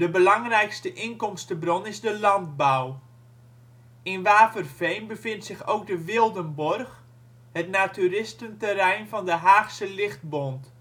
belangrijkste inkomstenbron is de landbouw. In Waverveen bevindt zich ook de Wilgenborgh, het naturistenterrein van de Haagse Lichtbond